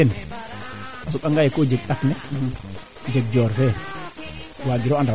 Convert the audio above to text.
kaa ñoowa teen saa